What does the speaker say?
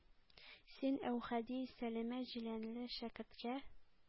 Син, Әүхәди,- сәләмә җиләнле шәкерткә